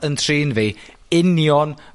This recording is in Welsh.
...yn trin fi union...